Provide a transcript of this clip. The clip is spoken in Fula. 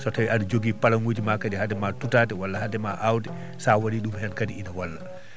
so tawii aɗa jogii palanguji ma kadi hadema tutaade walla hade ma aawde so a waɗii ɗum heen kadi ina walla